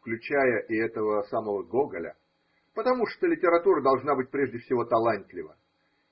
включая и этого самого Гоголя, потому что литература должна быть прежде всего талантлива,